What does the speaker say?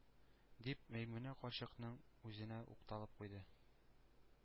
— дип, мәймүнә карчыкның үзенә укталып куйды.